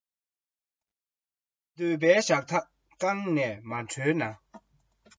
ཉིན གང སོང ཡང དགོང མོ ས དེར ལུས